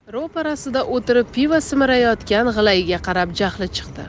ro'parasida o'tirib pivo simirayotgan g'ilayga qarab jahli chiqdi